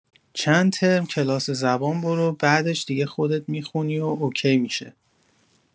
چند ترم کلاس زبان برو بعدش دیگه خودت می‌خونی و اوکی می‌شه